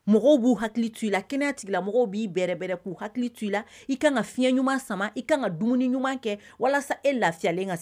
Mɔgɔw b'u hakili t to i la k tigɛla mɔgɔw b'i bɛrɛɛrɛ k'u hakili t i la i kan ka fiɲɛ ɲuman sama i kan ka dumuni ɲuman kɛ walasa e lafiyalen ka